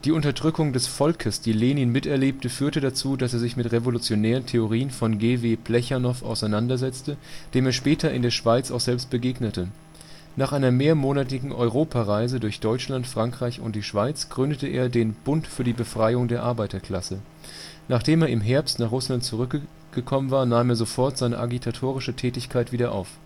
Unterdrückung des Volkes, die Lenin miterlebte, führte dazu, dass er sich mit revolutionären Theorien von G. W. Plechanow auseinandersetzte, dem er später in der Schweiz auch selbst begegnete. Nach einer mehrmonatigen Europareise durch Deutschland, Frankreich und die Schweiz gründete er den „ Bund für die Befreiung der Arbeiterklasse “. Nachdem er im Herbst nach Russland zurückgekommen war, nahm er sofort seine agitatorische Tätigkeit wieder auf